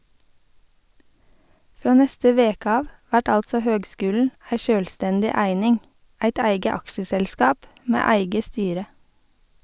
Frå neste veke av vert altså høgskulen ei sjølvstendig eining, eit eige aksjeselskap med eige styre.